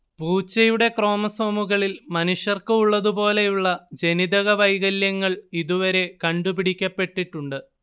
പൂച്ചയുടെ ക്രോമസോമുകളിൽ മനുഷ്യർക്ക് ഉള്ളതുപോലെയുള്ള ജനിതകവൈകല്യങ്ങൾ ഇതുവരെ കണ്ടുപിടിക്കപ്പെട്ടിട്ടുണ്ട്